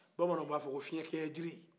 bamananw b'a fɔ ko fiyɛ kɛɲɛ jiri